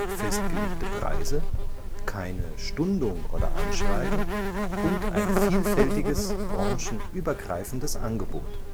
festgelegte Preise, keine Stundung oder Anschreiben und ein vielfältiges, branchenübergreifendes Angebot